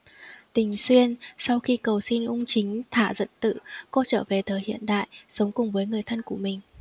tình xuyên sau khi cầu xin ung chính thả dận tự cô trở về thời hiện đại sống cùng với người thân của mình